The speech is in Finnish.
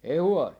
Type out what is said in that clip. ei huoli